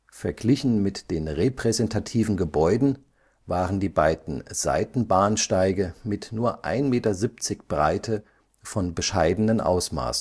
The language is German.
Verglichen mit den repräsentativen Gebäuden waren die beiden Seitenbahnsteige mit nur 1,70 Meter Breite von bescheidenen Ausmaßen